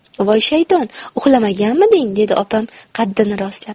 voy shayton uxlamaganmiding dedi opam qaddini rostlab